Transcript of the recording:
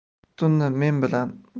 tunni men bilan